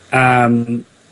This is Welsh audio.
A yym.